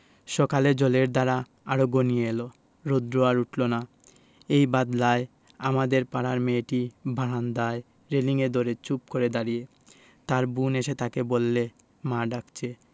সকালে জলের ধারা আরো ঘনিয়ে এল রোদ্র আর উঠল না এই বাদলায় আমাদের পাড়ার মেয়েটি বারান্দায় রেলিঙ ধরে চুপ করে দাঁড়িয়ে তার বোন এসে তাকে বললে মা ডাকছে